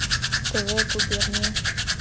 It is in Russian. тв губерния